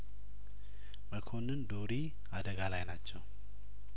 መኮንን ዶሪ አደጋ ላይ ናቸው